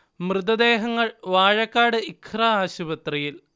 മൃതദേഹങ്ങൾ വാഴക്കാട് ഇഖ്റ ആശുപത്രിയിൽ